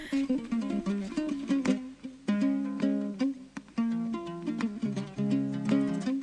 Maa